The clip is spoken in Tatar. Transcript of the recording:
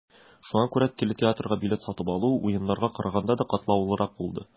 Шуңа күрә телетеатрга билет сатып алу, Уеннарга караганда да катлаулырак булды.